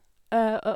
Og...